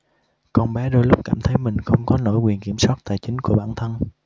con bé đôi lúc cảm thấy mình không có nổi quyền kiểm soát tài chính của bản thân